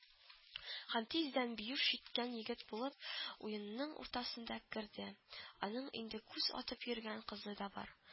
Һәм тиздән Биюш, җиткән егет булып, уенның уртасында керде, аның инде күз атып йөргән кызы да бар